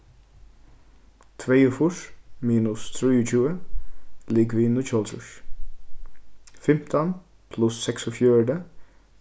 tveyogfýrs minus trýogtjúgu ligvið níggjuoghálvtrýss fimtan pluss seksogfjøruti